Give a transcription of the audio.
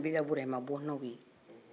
o bɛɛ de ye nabila burahima bɔɔnnaw ye